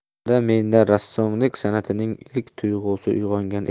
o'shanda menda rassomlik san'atining ilk tug'usi uyg'ongan edi